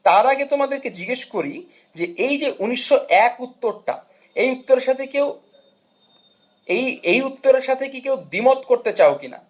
তার আগে তোমাদের কে জিজ্ঞেস করি যে এই হাজার 901 উত্তরটা এই উত্তরের সাথে কেউ এই উত্তরের সাথে কেউ দ্বিমত করতে চাও কি না